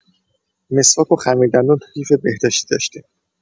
مسواک و خمیردندون تو کیف بهداشتی داشتیم.